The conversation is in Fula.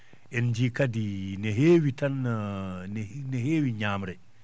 en jiyi kadi ne heewi tan ne heewi ñaamre